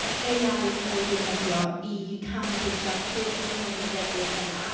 Gall AI cael ei ddefnyddio i canolbwyntio ar pob un o'r myfyrwyr